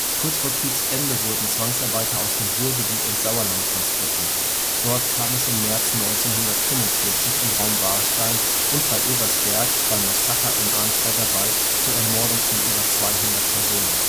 Kurz vor Kriegsende wurden Zwangsarbeiter aus dem Ruhrgebiet ins Sauerland transportiert. Dort kam es im März 1945 im Raum Warstein und bei Eversberg beim Massaker im Arnsberger Wald zur Ermordung von über 200 Personen